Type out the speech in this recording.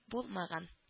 Булмаган